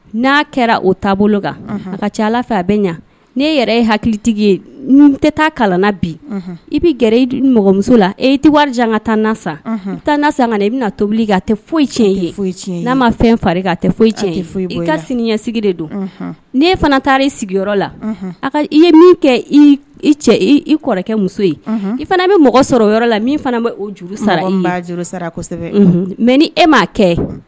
N'a kɛra o taabolo kan a ka ca ala fɛ a bɛ ɲɛ n e yɛrɛ ye hakilitigi ye tɛ taa kalan bi i bɛ gɛrɛ i mɔgɔmuso la e tɛ wari jan ka tan na sa tan sa ka i bɛ na tobili a tɛ foyi tiɲɛ ye foyi n'a ma fɛn fari tɛ foyi cɛn i ka sinisigi de don n' e fana taa i sigiyɔrɔ la i ye min kɛ i cɛ i kɔrɔkɛ muso ye i fana bɛ mɔgɔ sɔrɔ yɔrɔ la min fana bɛ o sara sara mɛ ni e m ma kɛ